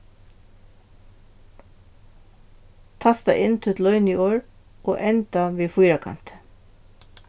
tasta inn títt loyniorð og enda við fýrakanti